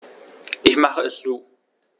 Ich mache es zu.